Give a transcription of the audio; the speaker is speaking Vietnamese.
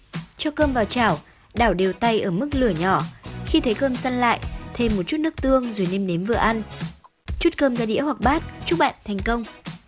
cho cơm vào chảo đảo đều tay ở mức lửa nhỏ khi thấy cơm săn lại thêm một chút nước tương rồi nêm nếm vừa ăn chút cơm ra đĩa hoặc bát chúc bạn thành công